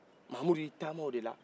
mahamudu y'i taama o de la